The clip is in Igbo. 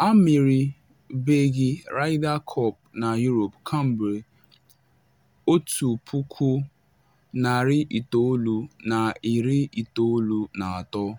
ha emeribeghị Ryder Cup na Europe kemgbe 1993.